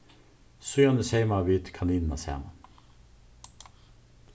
síðani seyma vit kaninina saman